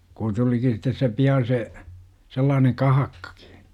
kun tulikin sitten se pian se sellainen kahakkakin